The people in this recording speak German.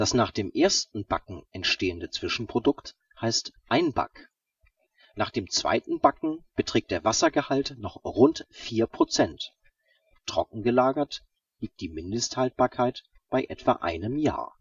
nach dem ersten Backen entstehende Zwischenprodukt heißt Einback. Nach dem zweiten Backen beträgt der Wassergehalt noch rund vier Prozent, trocken gelagert liegt die Mindesthaltbarkeit bei etwa einem Jahr